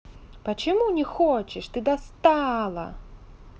почему не хочешь ты достала